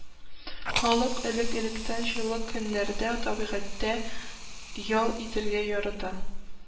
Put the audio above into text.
Халык элек-электән җылы көннәрдә табигатьтә ял итәргә ярата